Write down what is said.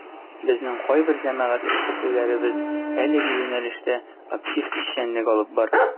Безнең кайбер җәмәгать эшлеклеләребез әлеге юнәлештә актив эшчәнлек алып бара.